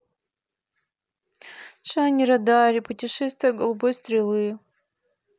джанни родари путешествие голубой стрелы